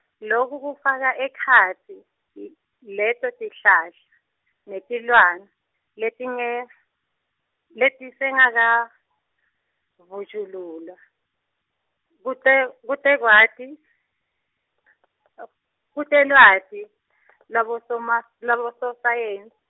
loku kufaka ekhatsi yi leto tihlahla netilwane letinge- letisengakavunjululwa kute- kutelwati kutelwati lwabosoma- lwabososayensi.